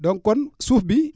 donc kon suuf bi